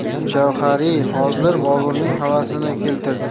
tushgan javhariy hozir boburning havasini keltirdi